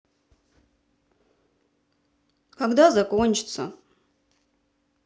когда закончится